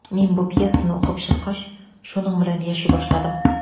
Мин бу пьесаны укып чыккач, шуның белән яши башладым.